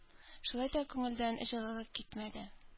Шулай да күңелдән җылылык китмәде.